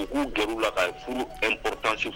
U k'u g la ka furu e kɔrɔtansufu